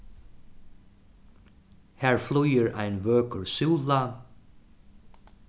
har flýgur ein vøkur súla